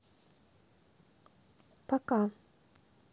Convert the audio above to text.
пока